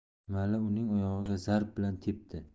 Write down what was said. malla uning oyog'iga zarb bilan tepdi